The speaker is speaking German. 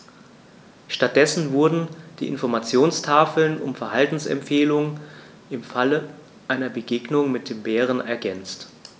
Stattdessen wurden die Informationstafeln um Verhaltensempfehlungen im Falle einer Begegnung mit dem Bären ergänzt.